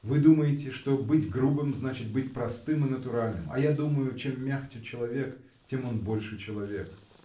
Вы думаете, что быть грубым — значит быть простым и натуральным, а я думаю, чем мягче человек, тем он больше человек.